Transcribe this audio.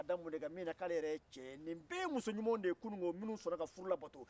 k'a da mun de kan minna k'ale yɛrɛ ye ce ye nin bɛɛ ye muso ɲumanw de ye kunu minnu sɔnna ka furu labato